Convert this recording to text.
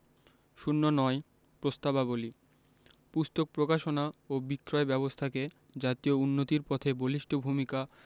০৯ প্রস্তাবাবলী পুস্তক প্রকাশনা ও বিক্রয় ব্যাবস্থাকে জাতীয় উন্নতির পথে বলিষ্ঠ ভূমিকা